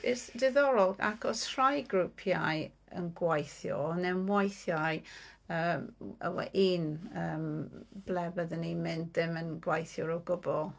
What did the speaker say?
It's diddorol, achos rhai grŵpiau yn gweithio, and then weithiau yy w- a- wa- un yym ble fyddwn ni'n mynd ddim yn gweithio o gwbl.